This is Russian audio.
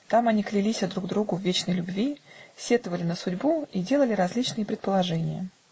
Там они клялися друг другу в вечной любви, сетовали на судьбу и делали различные предположения.